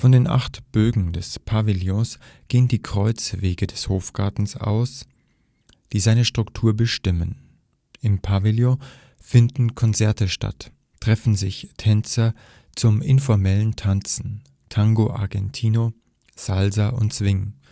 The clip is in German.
den acht Bögen des Pavillons gehen die Kreuzwege des Hofgartens aus, die seine Struktur bestimmen. Im Pavillon finden Konzerte statt, treffen sich Tänzer zum informellen Tanzen (Tango Argentino, Salsa und Swing